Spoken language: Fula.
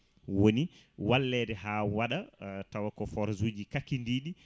woni wallede ha waɗa tawa ko forage uji kakidiɗi